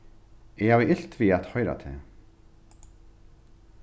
eg havi ilt við at hoyra teg